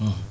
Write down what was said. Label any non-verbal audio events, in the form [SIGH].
[HESITATION] [HESITATION]